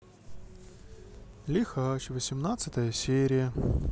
лихач восемнадцатая серия